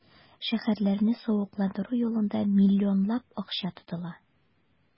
Шәһәрләрне савыкландыру юлында миллионлап акча тотыла.